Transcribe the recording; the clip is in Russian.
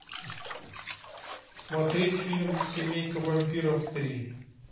смотреть фильм семейка вампиров три